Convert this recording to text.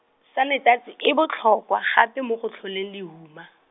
sanetasi e botlhokwa gape mo go tlholeng lehuma.